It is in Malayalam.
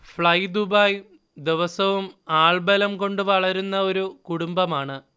ഫ്ളൈ ദുബായ് ദിവസവും ആൾബലം കൊണ്ട് വളരുന്ന ഒരു കുടുംബമാണ്